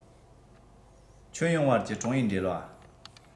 ཁྱོན ཡོངས བར གྱི ཀྲུང ཨའི འབྲེལ བ